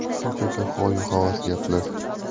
gaplar shunchaki hoyu havas gaplar